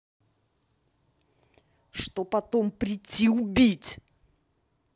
что потом прийти убить